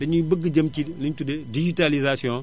dañoo bëgg a jëm ci li ñu tuddee digitalisation